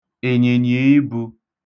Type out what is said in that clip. ị̀nyị̀nyìibū